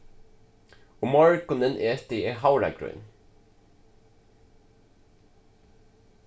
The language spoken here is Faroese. um morgunin eti eg havragrýn